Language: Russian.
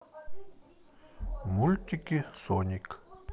мультики соник